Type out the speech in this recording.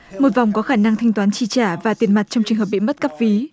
một vòng có khả năng thanh toán chi trả và tiền mặt trong trường hợp bị mất cắp ví